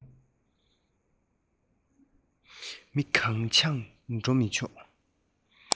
མི གང བྱུང འགྲོ མི ཆོག